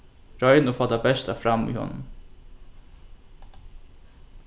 royn og fá tað besta fram í honum